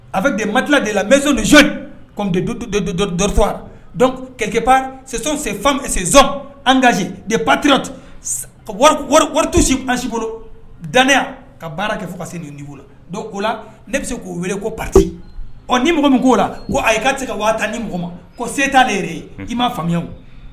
A bɛ de ma tilala de la mɛc dɔfson anz de pati wari tusi ansi bolo danya ka baara kɛ fo ka sela' la ne bɛ se k'o weele ko pati ɔ ni mɔgɔ min k'o la ko ayi ka se ka waati ni mɔgɔ ma ko seyita de i m ma faamuya